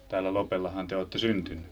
Täällä Lopellahan te ootte syntynny?